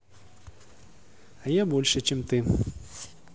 а я больше чем ты